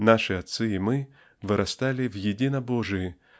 Наши отцы и мы вырастали в единобожии